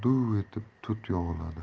urishi bilan duv etib tut yog'iladi